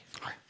hei.